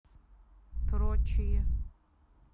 прочие